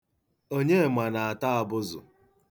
Onyema na-ata abụzụ.